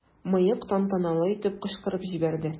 "мыек" тантаналы итеп кычкырып җибәрде.